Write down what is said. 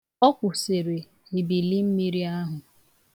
Ọ kwụsịrị ebilimmiri ahụ.